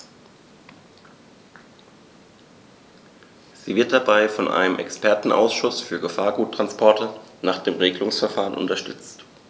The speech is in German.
Sie wird dabei von einem Expertenausschuß für Gefahrguttransporte nach dem Regelungsverfahren unterstützt.